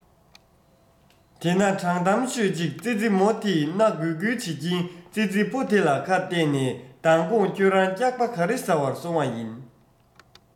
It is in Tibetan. དེ ན དྲང གཏམ ཤོད ཅིག ཙི ཙི མོ དེས སྣ འགུལ འགུལ བྱེད ཀྱིན ཙི ཙི ཕོ དེ ལ ཁ གཏད ནས མདང དགོང ཁྱོད རང སྐྱག པ ག རེ ཟ བར སོང བ ཡིན